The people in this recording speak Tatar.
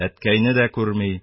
Әткәйне дә күрми,